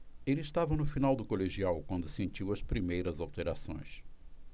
ele estava no final do colegial quando sentiu as primeiras alterações